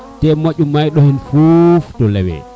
te moƴ ndoxin fuuf te lewe